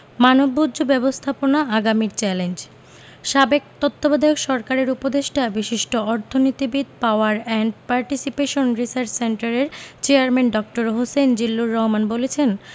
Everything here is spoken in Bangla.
মানববর্জ্য ব্যবস্থাপনা আগামীর চ্যালেঞ্জ সাবেক তত্ত্বাবধায়ক সরকারের উপদেষ্টা বিশিষ্ট অর্থনীতিবিদ পাওয়ার অ্যান্ড পার্টিসিপেশন রিসার্চ সেন্টারের চেয়ারম্যান ড.হোসেন জিল্লুর রহমান বলেছেন